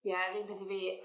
Ie 'run peth i fi...